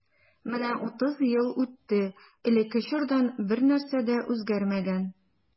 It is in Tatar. Менә утыз ел үтте, элекке чордан бернәрсә дә үзгәрмәгән.